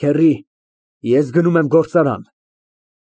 Քեռի, ես գնում եմ գործարան։